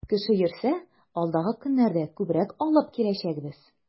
Кеше йөрсә, алдагы көннәрдә күбрәк алып киләчәкбез.